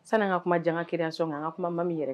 Sanan ka kuma jama création kan an ka kuma mami yɛrɛ